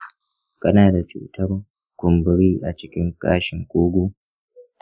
kana da cutar kumburi a cikin ƙashin ƙugu.